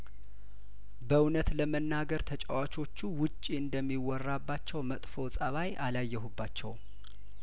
በእውነት ለመናገር ተጫዋቾቹ ውጪ እንደሚወራባቸው መጥፎ ጸባይ አላየሁባቸውም